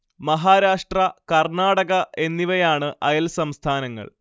മഹാരാഷ്ട്ര കർണ്ണാടക എന്നിവയാണ് അയൽ സംസ്ഥാനങ്ങൾ